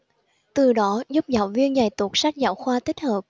từ đó giúp giáo viên dạy tốt sách giáo khoa tích hợp